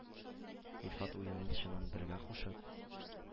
Илфат, уенын-чынын бергә кушып.